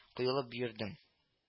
Коелып йөрдең